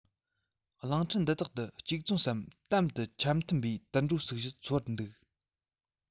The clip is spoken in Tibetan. གླིང ཕྲན འདི དག ཏུ གཅིག མཚུངས སམ དམ དུ ཆ མཐུན པའི དུད འགྲོ སུག བཞི འཚོ བར འདུག